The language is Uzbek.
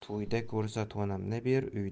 to'yda ko'rsa to'nimni ber